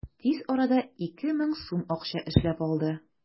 Тиз арада 2000 сум акча эшләп алды.